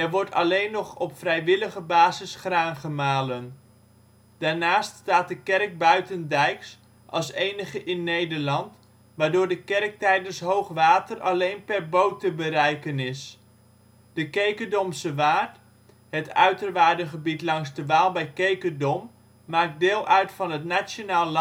wordt alleen nog op vrijwillige basis graan gemalen. Daarnaast staat de kerk buitendijks (als enige in Nederland) waardoor de kerk tijdens hoog water alleen per boot te bereiken is. De Kekerdomse waard (het uiterwaardengebied langs de Waal bij Kekerdom) maakt deel uit van het Nationaal